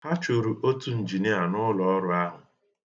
Ha chụrụ otu njinia n'ụlọọrụ ahụ.